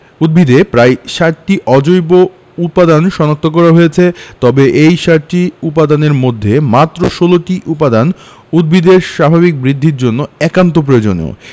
উদ্ভিদে প্রায় ৬০টি অজৈব উপাদান শনাক্ত করা হয়েছে তবে এই ৬০টি উপাদানের মধ্যে মাত্র ১৬টি উপাদান উদ্ভিদের স্বাভাবিক বৃদ্ধির জন্য একান্ত প্রয়োজনীয়